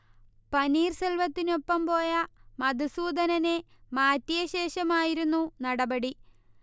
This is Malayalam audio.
പനീർസെൽവത്തിനൊപ്പം പോയ മധുസൂദനനെ മാറ്റിയ ശേഷമായിരുന്നു നടപടി